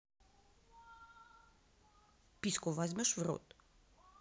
письку возьмешь в рот